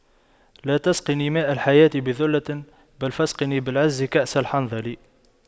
لا تسقني ماء الحياة بذلة بل فاسقني بالعز كأس الحنظل